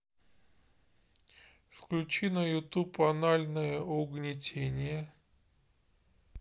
включи на ютуб анальное угнетение